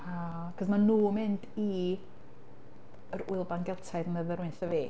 O, achos maen nhw'n mynd i yr Ŵyl Ban Geltaidd medda rywun wrtha fi.